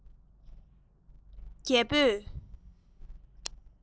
རྒྱལ པོས